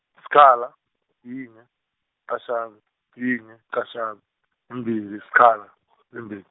sikhala, yinye, -qatjhaza, yinye, -qatjhaza, zimbili, sikhala, zimbili.